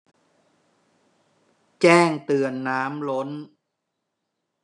แจ้งเตือนน้ำล้น